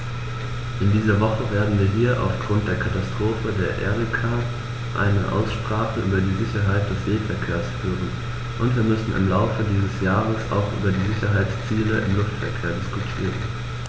In dieser Woche werden wir hier aufgrund der Katastrophe der Erika eine Aussprache über die Sicherheit des Seeverkehrs führen, und wir müssen im Laufe dieses Jahres auch über die Sicherheitsziele im Luftverkehr diskutieren.